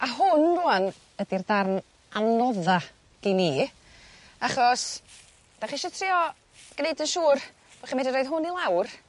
a hwn rŵan ydi'r darn anodda gin i achos 'dach chi isio trio gneud yn siŵr bo' chi medru roid hwn i lawr